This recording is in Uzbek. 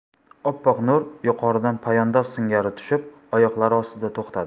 oppoq nur yuqoridan poyandoz singari tushib oyoqlari ostida to'xtadi